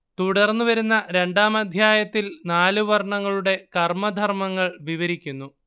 തുടർന്ന് വരുന്ന രണ്ടാം അധ്യായത്തിൽ നാലുവർണങ്ങളുടെ കർമധർമങ്ങൾ വിവരിക്കുന്നു